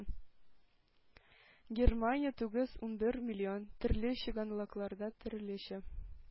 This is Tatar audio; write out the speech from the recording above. Германия – тугыз-унбер миллион төрле чыганакларда төрлечә